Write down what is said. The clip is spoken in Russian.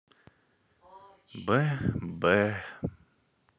б б